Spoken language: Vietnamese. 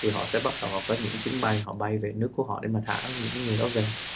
thì họ sẽ bắt đầu họ có những chuyến bay họ bay về nước của họ để mà thả những người đó về